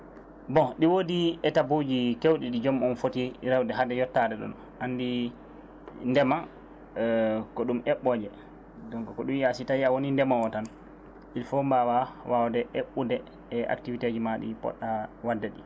bon ɗi woodi étapes uji kewɗi ɗi jomum o footi rewde haade yettade ɗon anndii ndema ko ɗum eɓɓoje donc ko ɗum wiiya so tawi a woni ndemowo tan il faut mbawa wawde eɓɓude e activité ji ma ɗipoɗɗa wadde ɗi